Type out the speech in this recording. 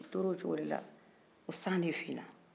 u tora o cogo de la fo san de fin na